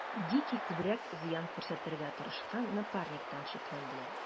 Дикий күбрәк зыян күрсәтергә тырышкан Напарниктан шикләнделәр.